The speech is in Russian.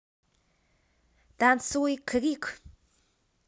танцует крик